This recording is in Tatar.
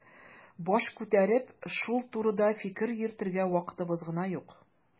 Баш күтәреп шул турыда фикер йөртергә вакытыбыз гына юк.